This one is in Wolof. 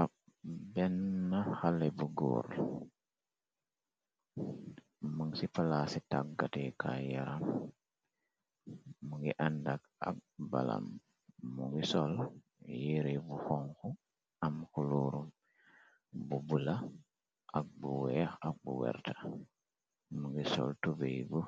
Ab benn xale bu górl mëng ci palaa ci tàggati kaay yaram mu ngi àndak ak balam mu ngi sol yire bu xonxu am xuluurum bu bula akbu weex ak bu werta mu ngi sol tubey bu